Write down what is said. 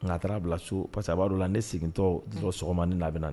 Nka a taara bila so parce quesa b'a la ne segintɔ sɔgɔma ni labɛn na